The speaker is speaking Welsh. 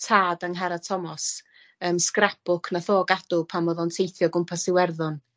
tad Angharad Thomos yym scrap book nath o gadw pan odd o'n teithio gwmpas Iwerddon.